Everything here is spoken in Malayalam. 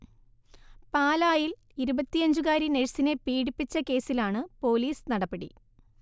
പാലായിൽ ഇരുപത്തിയഞ്ചുകാരി നഴ്സിനെ പീഡിപ്പിച്ച കേസിലാണ് പോലീസ് നടപടി